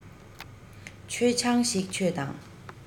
མཆོད ཆང ཞིག མཆོད དང